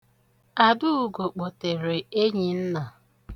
Adaugo kpọtere Enyinna.